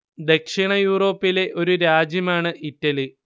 ദക്ഷിണ യൂറോപ്പിലെ ഒരു രാജ്യമാണ് ഇറ്റലി